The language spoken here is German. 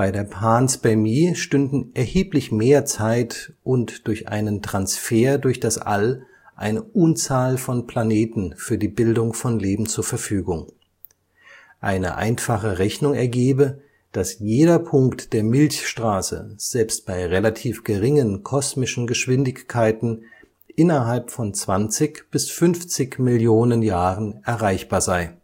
der Panspermie stünden erheblich mehr Zeit und durch einen Transfer durch das All eine Unzahl von Planeten für die Bildung von Leben zur Verfügung. Eine einfache Rechnung ergebe, dass jeder Punkt der Milchstraße selbst bei relativ geringen kosmischen Geschwindigkeiten innerhalb von 20 bis 50 Millionen Jahren erreichbar sei